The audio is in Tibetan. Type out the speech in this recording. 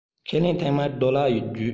ཁས ལེན ཐེངས མང བ རྡོ ལག བརྒྱུད